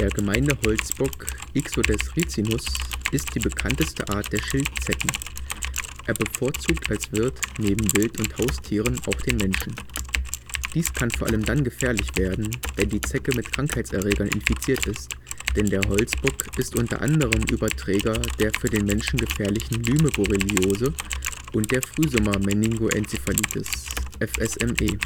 Gemeine Holzbock (Ixodes ricinus) ist die bekannteste Art der Schildzecken. Er bevorzugt als Wirt neben Wild - und Haustieren auch den Menschen. Dies kann vor allem dann gefährlich werden, wenn die Zecke mit Krankheitserregern infiziert ist, denn der Holzbock ist u. a. Überträger der für den Menschen gefährlichen Lyme-Borreliose und der Frühsommer-Meningoenzephalitis (FSME